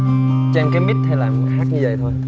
cho em cái mích hay là hát như dậy thôi